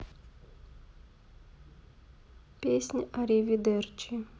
песня ариведерчи